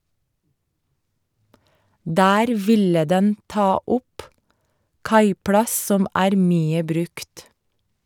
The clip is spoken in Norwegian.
Der ville den ta opp kaiplass som er mye brukt.